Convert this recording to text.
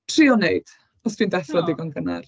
Trio wneud, os dwi'n deffro'n... o ...ddigon gynnar.